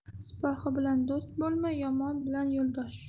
sipohi bilan do'st bo'lma yomon bilan yo'ldosh